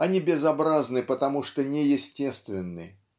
Они безобразны потому, что неестественны